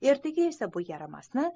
ertaga esa bu yaramasni